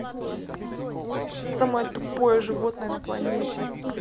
самое тупое животное на планете